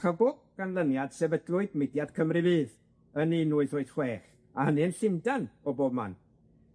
ganlyniad sefydlwyd mudiad Cymru fydd yn un wyth wyth chwech, a hynny yn Llundan o bob man.